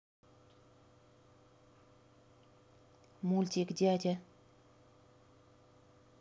мультик дядя